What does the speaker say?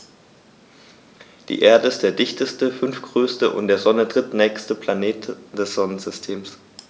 Die Erde ist der dichteste, fünftgrößte und der Sonne drittnächste Planet des Sonnensystems.